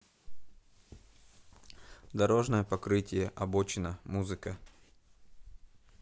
дорожное покрытие обочина музыка